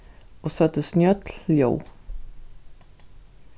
og søgdu snjøll ljóð